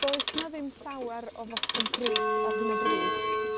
Does 'na ddim llawar o Fotwm Crys ar hyn o bryd.